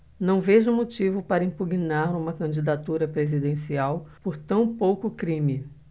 não vejo motivo para impugnar uma candidatura presidencial por tão pouco crime